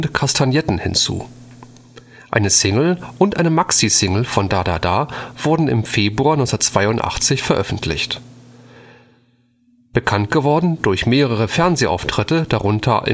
Kastagnetten hinzu. Eine Single und eine Maxi-Single von Da Da Da wurden im Februar 1982 veröffentlicht. Bekannt geworden durch mehrere Fernsehauftritte, darunter